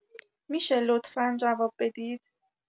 می‌شه لطفا جواب بدید؟